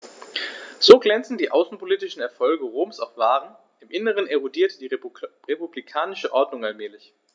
So glänzend die außenpolitischen Erfolge Roms auch waren: Im Inneren erodierte die republikanische Ordnung allmählich.